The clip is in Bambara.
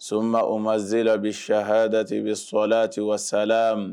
So maa o ma zera bi siha dati bɛ sɔ la ten wasala